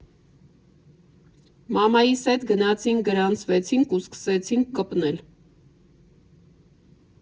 Մամայիս հետ գնացինք, գրանցվեցինք, ու սկսեցինք «կպնել»։